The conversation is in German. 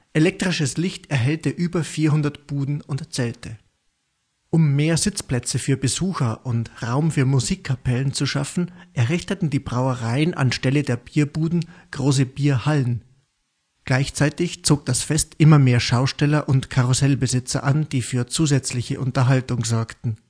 Elektrisches Licht erhellte über 400 Buden und Zelte. Um mehr Sitzplätze für Besucher und Raum für Musikkapellen zu schaffen, errichteten die Brauereien an Stelle der Bierbuden große Bierhallen. Gleichzeitig zog das Fest immer mehr Schausteller und Karussellbesitzer an, die für zusätzliche Unterhaltung sorgten